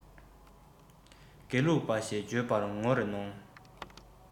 དགེ ལུགས པ ཞེས བརྗོད པར ངོ རེ གནོང